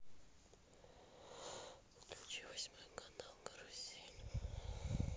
включи восьмой канал карусель